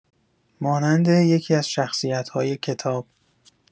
مانند یکی‌از شخصیت‌های کتاب.